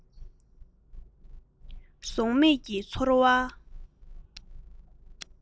གཟུགས མེད ཀྱི ཚོར བ